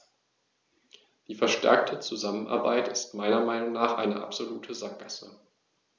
Die verstärkte Zusammenarbeit ist meiner Meinung nach eine absolute Sackgasse.